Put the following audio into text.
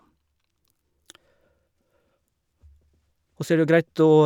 Og så er det jo greit å...